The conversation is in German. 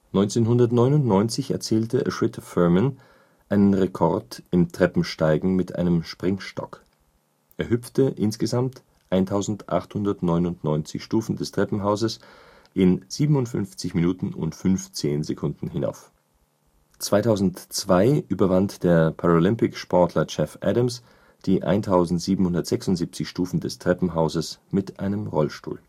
1999 erzielte Ashrita Furman einen Rekord im Treppensteigen mit einem Springstock. Er hüpfte insgesamt 1899 Stufen des Treppenhauses in 57 Minuten und 15 Sekunden hinauf. 2002 überwand der Paralympicsportler Jeff Adams die 1776 Stufen des Treppenhauses mit einem Rollstuhl